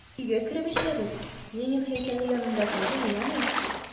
Тик өйгә кереп эчәбез, Ленин һәйкәле янында түгел, яме!